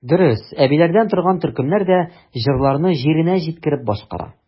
Дөрес, әбиләрдән торган төркемнәр дә җырларны җиренә җиткереп башкара.